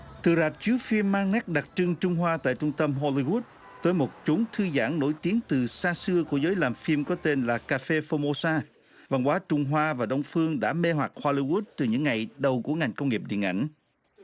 từ rạp chiếu phim mang nét đặc trưng trung hoa tại trung tâm hô ly guốt tới một chốn thư giãn nổi tiếng từ xa xưa của giới làm phim có tên là cà phê phô mô sa văn hóa trung hoa và đông phương đã mê hoặc ho ly guốt từ những ngày đầu của ngành công nghiệp điện ảnh